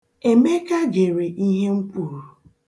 Emeka gere ihe m kwuru.